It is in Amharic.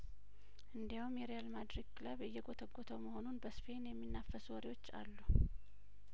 እንዲያውም የሪያል ማድሪድ ክለብ እየጐተጐተው መሆኑን በስፔን የሚናፈሱ ወሬዎች አሉ